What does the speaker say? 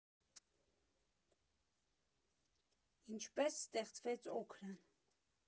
Ինչպես ստեղծվեց Օքրան։